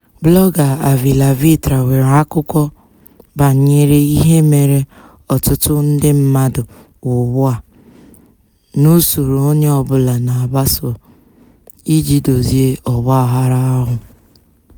Blọọga Avylavitra nwere akụkọ banyere ihe mere ọtụtụ ndị mmadụ ugbua na usoro onye ọbụla na-agbaso iji dozie ọgbaghara ahụ.